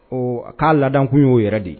Ɔ a k'a ladakun y'o yɛrɛ de ye